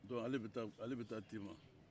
donke ale bɛ taa ale bɛ taa tema